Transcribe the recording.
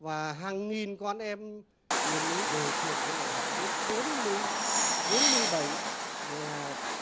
và hàng nghìn con em miền núi về trường quân đội học đến bốn mươi bốn mươi bảy là